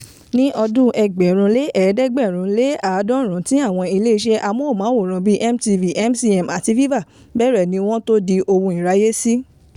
Ní ọdún 1990 tí àwọn ilé-iṣẹ́ amóhùnmáwòrán bíi MTV, MCM àti VIVA bẹ̀rẹ̀ ni wọ́n tó di ohun ìráyé sí.